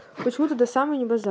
почему то до самой не базар